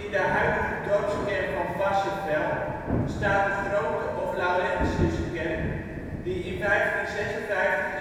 de huidige dorpskern van Varsseveld staat de Grote of Laurentiuskerk, die in 1556 is gewijd